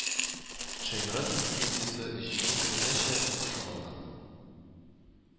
Шәйморатов дивизиясе җиңү көненәчә сугыша алган